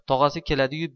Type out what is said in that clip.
tog'asi keladi yu